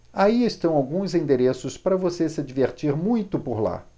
aí estão alguns endereços para você se divertir muito por lá